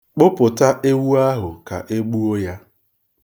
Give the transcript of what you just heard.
Kpụpụta ewu ahụ ka e gbuo ya.